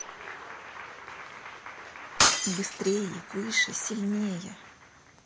быстрее выше сильнее